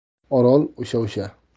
orol o'sha o'sha